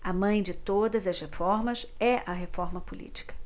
a mãe de todas as reformas é a reforma política